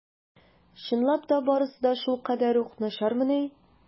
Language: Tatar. Чынлап та барысы да шулкадәр үк начармыни?